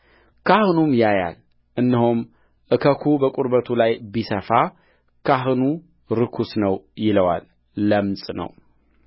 ካህኑም ያያል እነሆም እከኩ በቁርበቱ ላይ ቢሰፋ ካህኑ ርኩስ ነው ይለዋል ለምጽ ነው